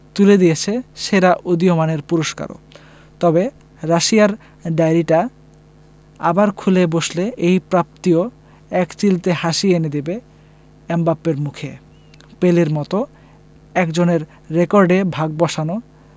তুলে দিয়েছে সেরা উদীয়মানের পুরস্কারও তবে রাশিয়ার ডায়েরিটা আবার খুলে বসলে এই প্রাপ্তি ও একচিলতে হাসি এনে দেবে এমবাপ্পের মুখে পেলের মতো একজনের রেকর্ডে ভাগ বসানো